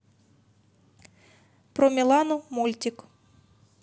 про милану мультик